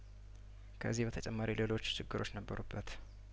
ከዚህ በተጨማሪ ሌሎች ችግሮች ነበሩበት